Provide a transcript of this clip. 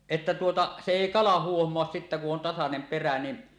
että tuota se ei kala huomaa sitä kun on tasainen perä niin